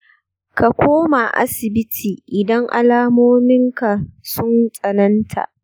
ka koma asibiti idan alamomin ka sun tsananta